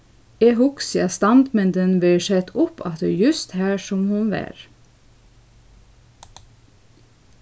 eg hugsi at standmyndin verður sett upp aftur júst har sum hon var